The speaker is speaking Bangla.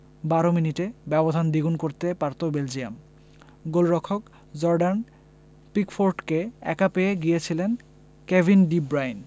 ১২ মিনিটে ব্যবধান দ্বিগুণ করতে পারত বেলজিয়াম গোলরক্ষক জর্ডান পিকফোর্ডকে একা পেয়ে গিয়েছিলেন কেভিন ডি ব্রুইন